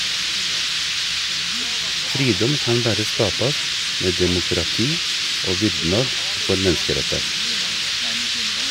Fridom kan berre skapast med demokrati og vyrdnad for menneskerettar.